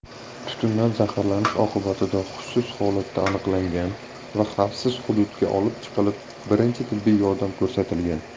tutundan zaharlanishi oqibatida hushsiz holatda aniqlangan va xavfsiz hududga olib chiqilib birinchi tibbiy yordam ko'rsatilgan